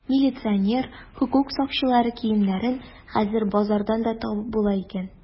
Милиционер, хокук сакчылары киемнәрен хәзер базардан да табып була икән.